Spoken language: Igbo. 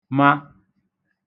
ma